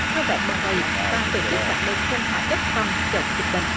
thau vét bọ gậy và tổ chức các đợt phun hóa chất phòng chống dịch bệnh